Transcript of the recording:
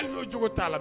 A n'o jo'a la